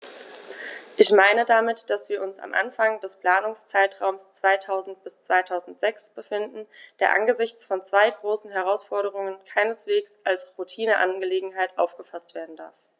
Ich meine damit, dass wir uns am Anfang des Planungszeitraums 2000-2006 befinden, der angesichts von zwei großen Herausforderungen keineswegs als Routineangelegenheit aufgefaßt werden darf.